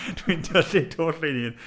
Dwi'n tyllu twll i'n hun.